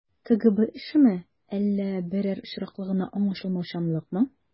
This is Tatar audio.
КГБ эшеме, әллә берәр очраклы гына аңлашылмаучанлыкмы?